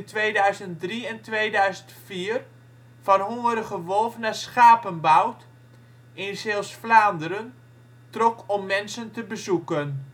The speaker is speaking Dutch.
2003 en 2004 van Hongerige Wolf naar Schapenbout (in Zeeuws-Vlaanderen) trok om mensen te bezoeken